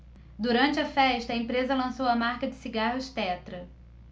durante a festa a empresa lançou a marca de cigarros tetra